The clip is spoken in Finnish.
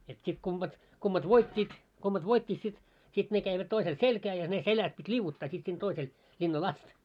että sitten kummat kummat voittivat kummat voittivat sitten sitten ne kävivät toisella selkään ja ne selässä piti liu'uttaa sitten sinne toiselle linnalle asti